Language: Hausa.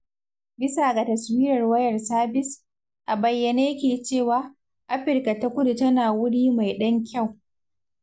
Bisa ga taswirar wayar sabis, a bayyane yake cewa, Afirka ta Kudu tana wuri mai ɗan kyau.